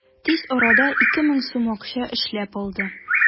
Тиз арада 2000 сум акча эшләп алды.